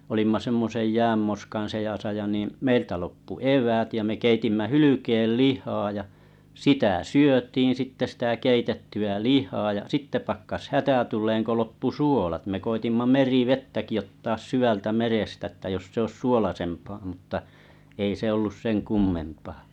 olimme semmoisen jäänmoskan seassa ja niin meiltä loppui eväät ja me keitimme hylkeen lihaa ja sitä syötiin sitten sitä keitettyä lihaa ja sitten pakkasi hätä tulemaan kun loppui suolat me koetimme merivettäkin ottaa syvältä merestä että jos se olisi suolaisempaa mutta ei se ollut sen kummempaa